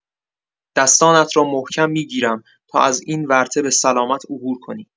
دستانت را محکم می‌گیرم تا از این ورطه به سلامت عبور کنی.